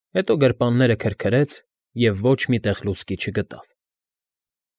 Հետո գրպանները քրքրեց և ոչ մի տեղ լուցկի չգտավ։